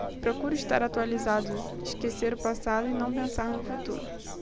procuro estar atualizado esquecer o passado e não pensar no futuro